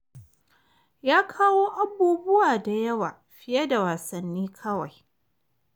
Ya kawo abubuwa da yawa fiye da wassani kawai.”